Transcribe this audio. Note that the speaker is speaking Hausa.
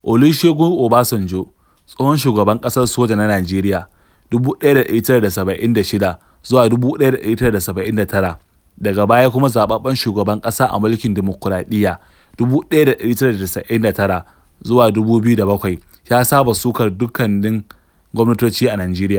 Olusegun Obasanjo, tsohon shugaban ƙasar soja na Najeriya (1976-1979) daga baya kuma zaɓaɓɓen shugaban ƙasa a mulkin dimukuraɗiyya (1999-2007) ya saba sukar dukkanin gwamnatoci a Najeriya.